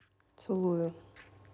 целую